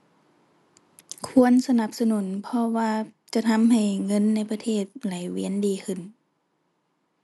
ควรสนับสนุน เพราะว่าจะทำให้เงินในประเทศไหลเวียนดีขึ้น